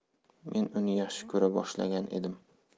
men uni yaxshi ko'ra boshlagan edim